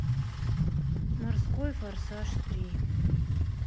морской форсаж три